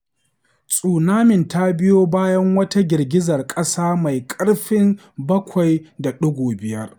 Tsunamin ta biyo bayan wata girgizar ƙasa mai ƙarfin 7 da ɗigo 5.